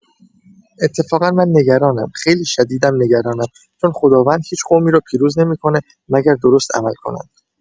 اتفاقا من نگرانم خیلی شدیدم نگرانم چون خداوند هیچ قومی رو پیروز نمی‌کنه مگر درست عمل کنند.